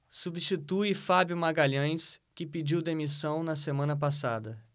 substitui fábio magalhães que pediu demissão na semana passada